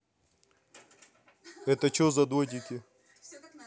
это че за додики